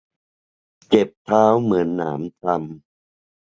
เจ็บเท้าเหมือนหนามตำ